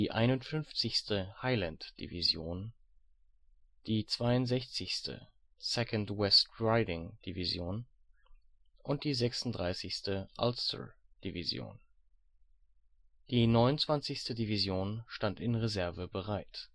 51. Highland Division (Harper), 62. 2nd West Riding Division (Braithwaite) und die 36. Ulster Division (Nugent). Die 29. Division (de Lisle) stand in Reserve bereit